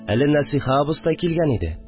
Әле Нәсыйхә абыстай килгән иде